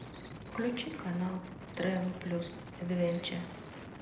включи канал тревел плюс эдвенче